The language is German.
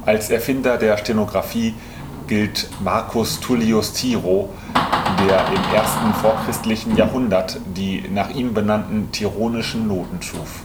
Als Erfinder der Stenografie gilt Marcus Tullius Tiro, der im ersten vorchristlichen Jahrhundert die nach ihm benannten Tironischen Noten schuf.